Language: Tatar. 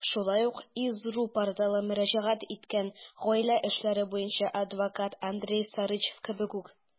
Шулай ук iz.ru порталы мөрәҗәгать иткән гаилә эшләре буенча адвокат Андрей Сарычев кебек үк.